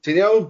Ti'n iawn?